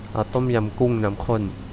เอาต้มยำกุ้งน้ำข้น